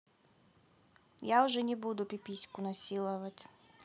я уже не буду пипиську насиловать